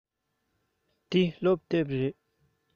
འདི སློབ དེབ རེད